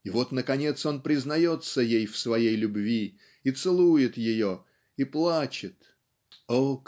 и вот наконец он признается ей в своей любви и целует ее и плачет ("О